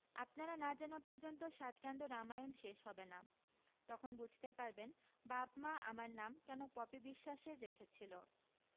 আপনারা না জানা পর্য্যন্ত সাতকান্ড রামায়ণ শেষ হবে না তখন বুঝতে পারবেন বাপ মা আমার নাম কেন পপি বিশ্বাসের রেখেছিল